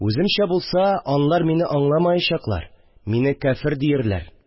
Үземчә булса, алар мине аңламаячаклар, мине кяфер диерләр